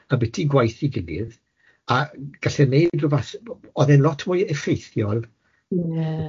am biti gwaith 'i gilydd a galle neud ryw fath o'dd e'n lot mwy effeithiol... Ie...